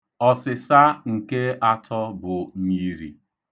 Ọsịsa nke atọ bụ myiri.